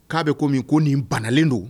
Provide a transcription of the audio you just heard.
K'a bɛ ko min ko nin banalen don